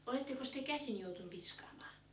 olettekos te käsin joutunut viskaamaan